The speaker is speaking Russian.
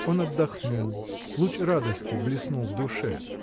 Он отдохнул, луч радости блеснул в душе.